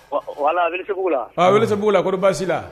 Voilà Welesebugu la , ɔn Welesebugu la kori baasi ti la?